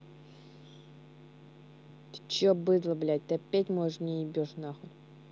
ты че быдло блять ты опять можешь мне ебешь нахуй